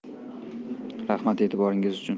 rahmat e'tiboringiz uchun